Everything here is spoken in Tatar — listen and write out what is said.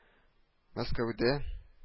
Мәскәүдә